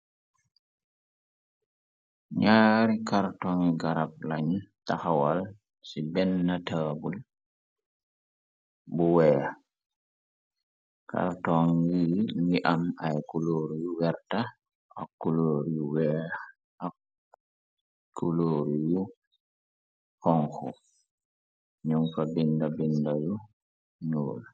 Ñaari kartongi garab lañ taxawal ci benna tabull bu wèèx, kartong yii ni am ay kulor yu werta ak kuloor yu wèèx ak kulor yu xonxu ñung fa bindé bindé yu ñuul.